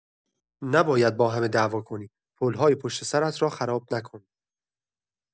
نباید با همه دعوا کنی، پل‌های پشت سرت را خراب نکن.